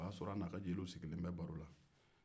o y'a sɔrɔ a n'a ka jeliw sigilen bɛ baro la